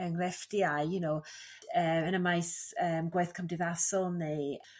eng- engrefftiau you know yn y maes yym gwaith cymdeithasol neu